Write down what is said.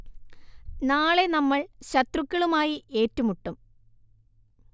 നാളെ നമ്മൾ ശത്രുക്കളുമായി ഏറ്റുമുട്ടും